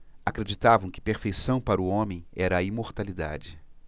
acreditavam que perfeição para o homem era a imortalidade